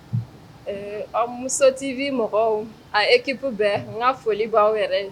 An musotibi mɔgɔw a ekip bɛɛ n ka foli b'aw yɛrɛ